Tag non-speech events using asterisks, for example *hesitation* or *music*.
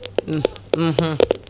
*hesitation* *hesitation*